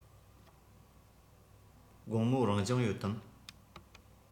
དགོང མོ རང སྦྱོང ཡོད དམ